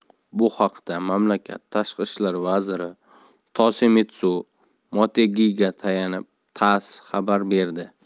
bu haqda mamlakat tashqi ishlar vaziri tosimitsu motegiga tayanib tass xabar berdi